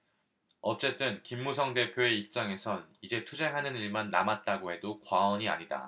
어쨌든 김무성 대표의 입장에선 이제 투쟁하는 일만 남았다고 해도 과언이 아니다